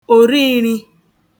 òri ìri